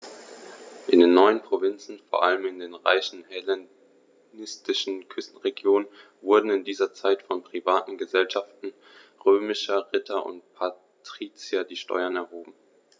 In den neuen Provinzen, vor allem in den reichen hellenistischen Küstenregionen, wurden in dieser Zeit von privaten „Gesellschaften“ römischer Ritter und Patrizier die Steuern erhoben.